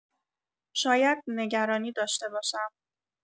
شاید نگرانی داشته باشم.